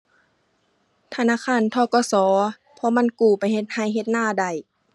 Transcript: ธนาคาร ธ.ก.ส. เพราะมันกู้ไปเฮ็ดไร่เฮ็ดนาได้